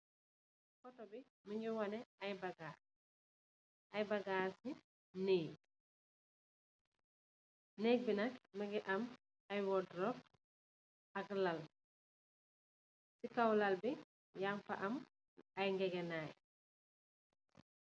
Photo bi mungi waneh aye bagass, aye bagassi neekk, neekk bi nak mungi am aye walldraw ak lal si haw lal bi, yang fa am ngegenaaye.